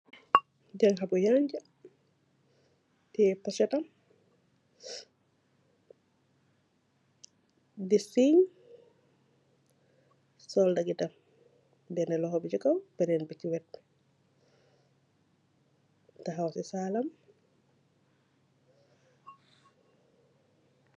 janha bu sanseh tai sol yehreh bu rfet ak possett bu hougku.